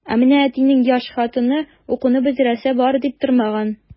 Ә менә әтинең яшь хатыны укуны бетерәсе бар дип тормаган.